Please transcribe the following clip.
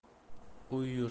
u yurt ham bu